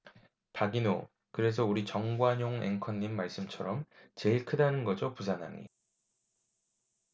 박인호 그래서 우리 정관용 앵커님 말씀처럼 제일 크다는 거죠 부산항이